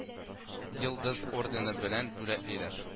Йолдыз ордены белән бүләклиләр